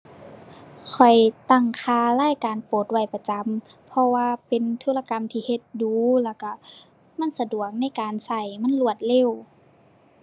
ข้อยตั้งค่ารายการโปรดไว้ประจำ เพราะว่าเป็นธุรกรรมที่เฮ็ดดู๋ แล้วก็ มันสะดวกในการก็มันรวดเร็ว